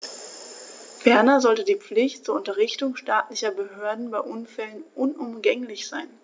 Ferner sollte die Pflicht zur Unterrichtung staatlicher Behörden bei Unfällen unumgänglich sein.